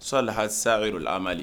Salha seydul a